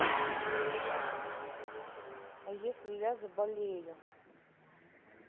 а если я заболею